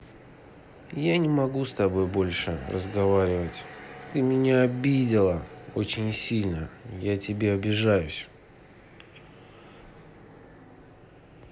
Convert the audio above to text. я не могу с тобой больше разговаривать ты меня обидела очень сильно я тебе обижаюсь